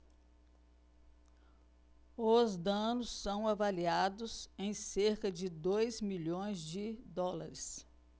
os danos são avaliados em cerca de dois milhões de dólares